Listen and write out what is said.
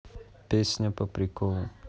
песня по приколу